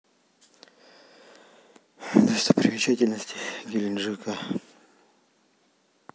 достопримечательности геленджика